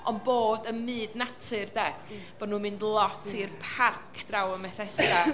Ond bod ym myd natur, de... ia. ...bod nhw'n mynd lot i'r... ia. ...parc draw ym Methesda .